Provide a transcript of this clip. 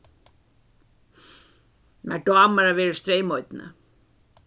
mær dámar at vera í streymoynni